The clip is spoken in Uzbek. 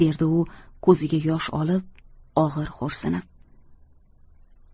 derdi u ko'ziga yosh olib og'ir xo'rsinib